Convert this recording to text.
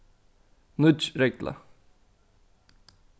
nýggj regla